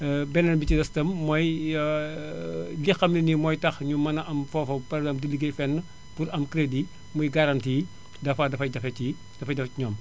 beneen bi ci des itam mooy li xam ne nii mooy tax ñu mën a am foofa par exemple di liggéey fenn pour am crédit muy garanti yi des fois dafay jafe ci dafay jafe si ñoom